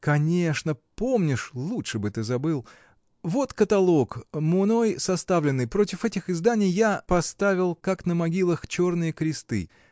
(конечно, помнишь — лучше бы ты забыл!) вот каталог, мной составленный: против этих изданий я поставил, как на могилах, черные кресты!